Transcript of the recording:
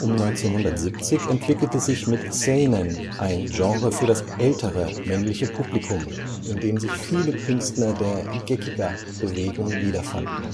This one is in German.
1970 entwickelte sich mit Seinen ein Genre für das ältere männliche Publikum, in dem sich viele Künstler der Gekiga-Bewegung wiederfanden